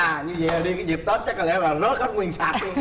à như dậy là đi cái dịp tết chắc có lẽ là rớt hết nguyên sạp luôn